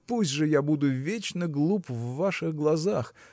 пусть же я буду вечно глуп в ваших глазах